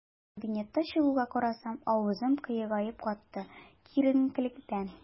Ә кабинеттан чыгуга, карасам - авызым кыегаеп катты, киеренкелектән.